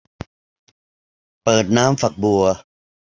เปิดน้ำฝักบัว